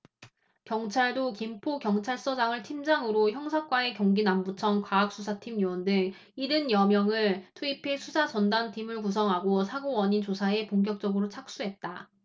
경찰도 김포경찰서장을 팀장으로 형사과와 경기남부청 과학수사팀 요원 등 일흔 여명을 투입해 수사 전담팀을 구성하고 사고 원인 조사에 본격적으로 착수했다